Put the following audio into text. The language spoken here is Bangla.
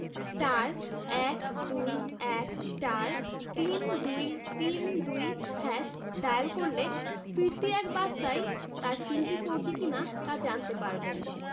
*১২১*৩২৩২# ডায়াল করলে ফিরতি এক বার্তায় তার সিমটি ফোরজি কিনা তা জানতে পারবেন